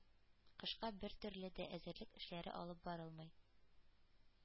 Кышка бертөрле дә әзерлек эшләре алып барылмый.